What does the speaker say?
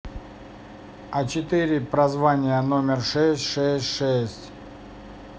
а четыре прозвание номер шесть шесть шесть